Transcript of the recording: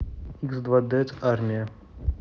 икс два дет армия